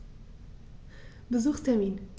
Besuchstermin